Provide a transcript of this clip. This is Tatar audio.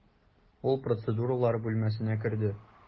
Ул процедуралар бүлмәсенә керде.